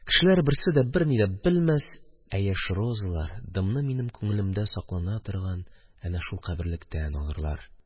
Кешеләр берсе дә берни дә белмәс, ә яшь розалар дымны минем күңелемдә саклана торган әнә шул каберлектән алырлар.